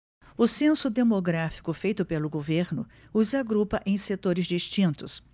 o censo demográfico feito pelo governo os agrupa em setores distintos